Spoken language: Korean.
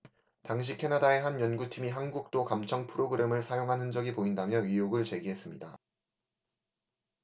당시 캐나다의 한 연구팀이 한국도 감청프로그램을 사용한 흔적이 보인다며 의혹을 제기했습니다